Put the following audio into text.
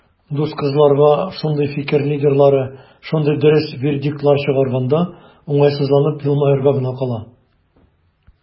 Дус кызларга шундый "фикер лидерлары" шундый дөрес вердиктлар чыгарганда, уңайсызланып елмаерга гына кала.